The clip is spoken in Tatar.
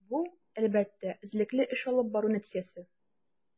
Бу, әлбәттә, эзлекле эш алып бару нәтиҗәсе.